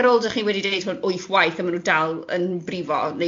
ac ar ôl 'dach chi 'di deud hwn wyth gwaith a ma' nhw dal yn brifo